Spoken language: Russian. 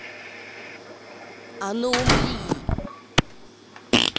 а ну умри